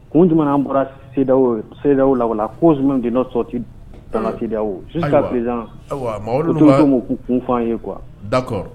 Kun jumɛn an bɔra CEDEAO CEDEAO la la cause même de notre sortie dans la CEDEAO ;Ayiwa Mamadu; jusqu'à présent n'o tun bɛ se k'o kun fɔ an ye quoi ; d'accord